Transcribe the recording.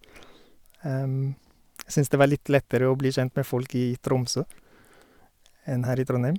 Syns det var litt lettere å bli kjent med folk i Tromsø enn her i Trondheim.